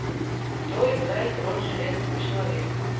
кто играет роль железного человека